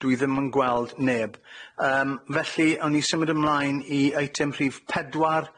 Dwi ddim yn gweld neb. Yym felly, 'awn ni symud ymlaen i eitem rhif pedwar